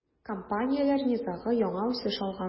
Компанияләр низагы яңа үсеш алган.